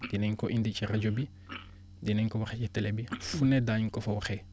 dinañ ko indi ci rajo bi dinañ ko wax ci télé bi fu ne daañu ko fa waxee